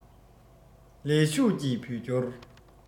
ལས ཞུགས ཀྱི བོད སྐྱོར